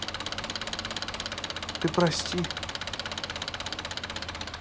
ты прости